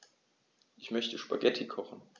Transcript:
Ich möchte Spaghetti kochen.